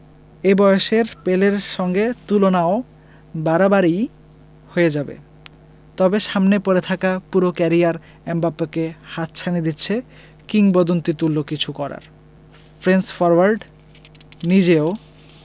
এই বয়সের পেলের সঙ্গে তুলনাও বাড়াবাড়িই হয়ে যাবে তবে সামনে পড়ে থাকা পুরো ক্যারিয়ার এমবাপ্পেকে হাতছানি দিচ্ছে কিংবদন্তিতুল্য কিছু করার ফ্রেঞ্চ ফরোয়ার্ড নিজেও